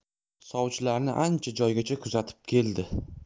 sovchilarni ancha joygacha kuzatib keldi